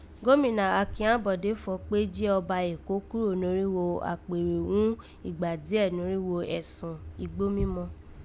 Gómìnà Akin Àḿbọ̀dé fọ̀ọ́ kpé jí Ọba Èkó kúrò norígho àkpèrè ghún ìgbà díẹ̀ norígho ẹ̀sùn igbó mímọ